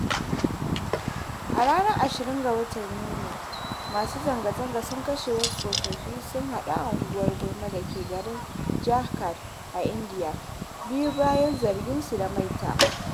A ranar 20 ga watan Yuli, masu zanga-zanga sun kashe wasu tsofaffi su huɗu a unguwar Gumla da ke garin Jharkhand a Indiya biyo bayan zarginsu da maita.